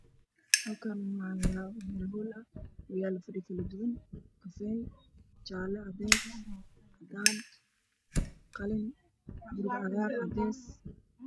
Meeshaan waa dhul ka maxaa yeelo kale kala duwan madow caddaan guduud cadaar jaalo qaxweyne koofeey